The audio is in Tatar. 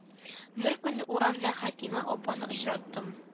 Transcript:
Беркөнне урамда хәтимә апаны очраттым